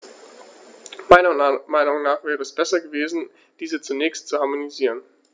Meiner Meinung nach wäre es besser gewesen, diese zunächst zu harmonisieren.